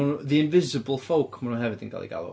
The Invisible Folk maen nhw hefyd yn cael eu galw.